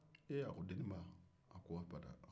ee a ko deninba a ko abada